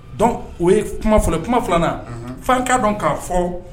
Dɔn o ye kuma fɔlɔ kuma filanan fan' dɔn k'a fɔ